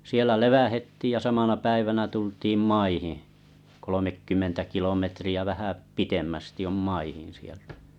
siellä levähdettiin ja samana päivänä tultiin maihin kolmekymmentä kilometriä vähän pitemmästi on maihin sieltä